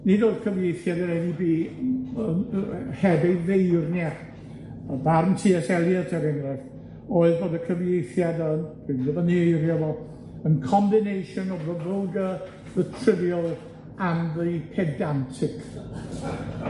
nid o'dd cyfieithiad yr En Ee Bee m- yy heb ei feirniaid, o'dd barn Tee Ess Elliott er enghraifft, oedd bod y cyfieithiad yn, dwi'n dyfynnu eiria fo, yn combination of the vulgar, the trivial, and the pedantic.